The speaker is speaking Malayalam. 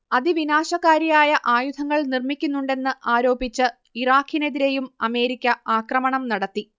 അതിവിനാശകാരിയായ ആയുധങ്ങൾ നിർമ്മിക്കുന്നുണ്ടെന്ന് ആരോപിച്ച് ഇറാഖിനെതിരെയും അമേരിക്ക ആക്രമണം നടത്തി